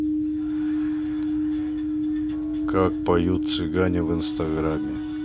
как поют цыгане в инстаграме